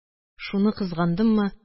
Шуны кызгандыммы: